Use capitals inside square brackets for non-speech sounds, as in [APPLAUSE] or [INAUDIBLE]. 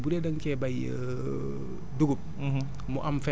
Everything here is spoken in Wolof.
mais léegi sa tool bii bu dee da nga cee bay [HESITATION] dugub